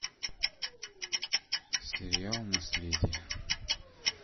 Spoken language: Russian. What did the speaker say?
сериал наследие